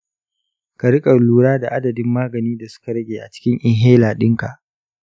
ka riƙa lura da adadin magani da suka rage a cikin inhaler ɗinka.